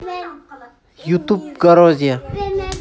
ютуб горозия